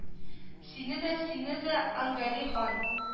Сине дә сине дә ангали хан